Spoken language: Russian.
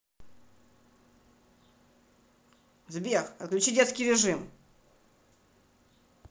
сбер отключи детский режим